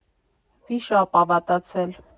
ՎԻՇԱՊ Ա ՎԱՏԱՑԵԼ։